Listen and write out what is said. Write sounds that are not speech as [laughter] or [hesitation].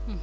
[hesitation]